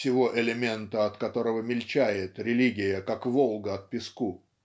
сего элемента, от которого мельчает религия, как Волга от песку".